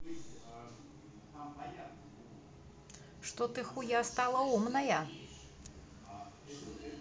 что ты хуя стало умная